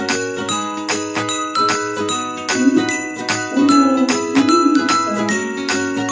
ты о мишка